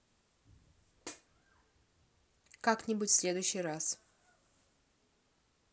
как нибудь в следующий раз